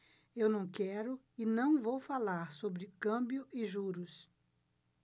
eu não quero e não vou falar sobre câmbio e juros